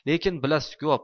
lekin bilasiz ku